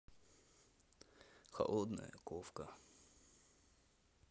холодная ковка